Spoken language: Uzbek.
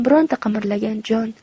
bironta qimirlagan jon